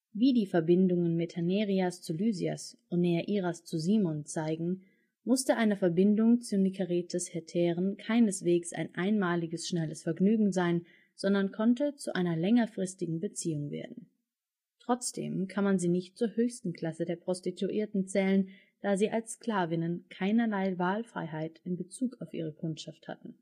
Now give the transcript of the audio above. Wie die Verbindungen Metaneiras zu Lysias und Neairas zu Simos zeigen, musste eine Verbindung zu Nikaretes Hetären keineswegs ein einmaliges, schnelles Vergnügen sein, sondern konnte zu einer längerfristigen Beziehung werden. Trotzdem kann man sie nicht zur höchsten Klasse der Prostituierten zählen, da sie als Sklavinnen keinerlei Wahlfreiheit in Bezug auf ihre Kundschaft hatten